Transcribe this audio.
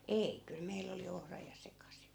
ei kyllä meillä oli ohra ja sekaisin